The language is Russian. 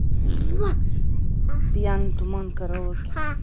пьяный туман караоке